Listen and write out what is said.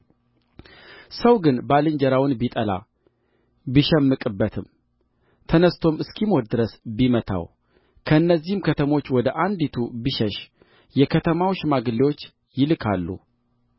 ሰው ግን ባልንጀራውን ቢጠላ ቢሸምቅበትም ተነሥቶም እስኪሞት ድረስ ቢመታው ከእነዚህም ከተሞች ወደ አንዲቱ ቢሸሽ የከተማው ሽማግሌዎች ይልካሉ